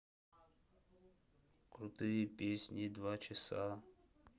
крутые песни два часа